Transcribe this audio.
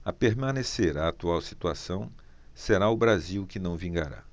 a permanecer a atual situação será o brasil que não vingará